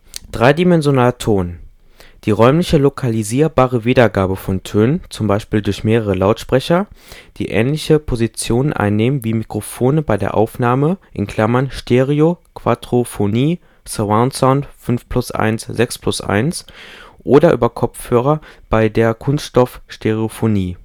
Dreidimensionaler Ton: die räumliche lokalisierbare Wiedergabe von Tönen, zum Beispiel durch mehrere Lautsprecher, die ähnliche Positionen einnehmen wie die Mikrofone bei der Aufnahme (Stereo, Quadrophonie, Surround Sound 5+1, 6+1) oder über Kopfhörer bei der Kunstkopf-Stereofonie